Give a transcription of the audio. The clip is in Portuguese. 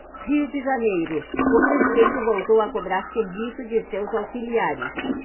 rio de janeiro o presidente voltou a cobrar serviço de seus auxiliares